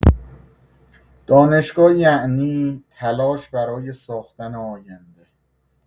دانشگاه یعنی تلاش برای ساختن آینده